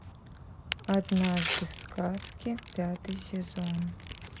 однажды в сказке пятый сезон